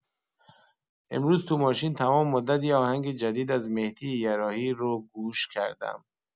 امروز تو ماشین تمام مدت یه آهنگ جدید از مهدی یراحی رو گوش کردم.